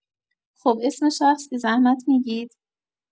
خب اسم شخص بی‌زحمت می‌گید